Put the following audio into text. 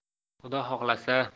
xudo xohlasa